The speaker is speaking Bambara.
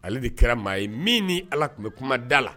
Ale de kɛra maa ye min ni Ala tun bɛ kuma da la